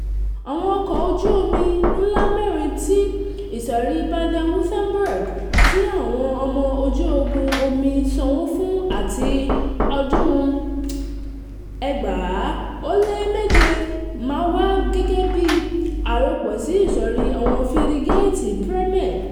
Àwọn ọkọ̀ ojú omi ńlá mẹ́rin ti ìsọ̀rí Baden-Wuerttemberg tí Àwọn ọmọ ogún ojú omi sànwó fún ;áti 2007 máa wá gẹ́gẹ́bí arọ́pò sí ìṣọ̀rí àwọn fírígéétì Bremen.